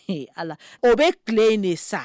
Ala o bɛ tile in de sa